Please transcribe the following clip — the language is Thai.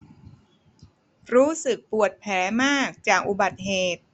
รู้สึกปวดแผลมากจากอุบัติเหตุ